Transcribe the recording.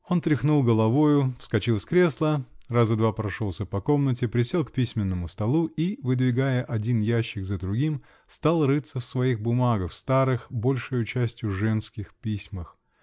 Он тряхнул головою, вскочил с кресла, раза два прошелся по комнате, присел к письменному столу и, выдвигая один ящик за другим, стал рыться в своих бумагах, в старых, большею частью женских, письмах.